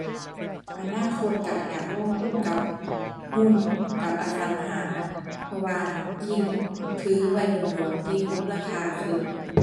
อนาคตก็อยากลงทุนกับหุ้น กับอสังหา เพราะว่ายิ่งถือไว้โดนโดน ยิ่งมูลค่าขึ้น